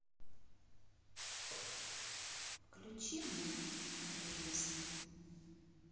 включи мультик эверест